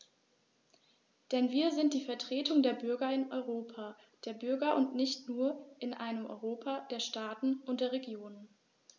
Denn wir sind die Vertreter der Bürger im Europa der Bürger und nicht nur in einem Europa der Staaten und der Regionen.